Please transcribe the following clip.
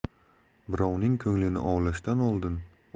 birovning ko'nglini ovlashdan oldin